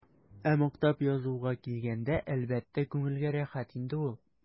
Ә мактап язуга килгәндә, әлбәттә, күңелгә рәхәт инде ул.